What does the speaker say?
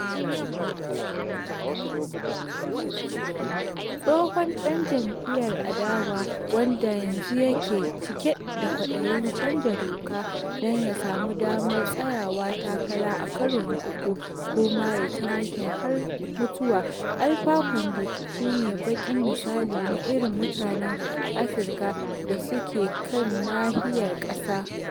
Tsohon ɗan jam'iyyar adawa wanda a yanzu ke cike da kwaɗayin chanja doka don samun damar tsayawa takara a karo na uku ko ma ya yi ta mulkin har mutuwa, Alpha Conde shi ne baƙin misali na irin mutanen Afirka da suke kai nahiyar ƙasa